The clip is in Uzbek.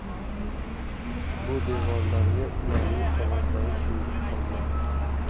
bu devorlarga ularning ovozlari singib qolgan